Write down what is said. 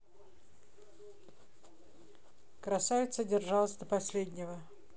красавица держалась до последнего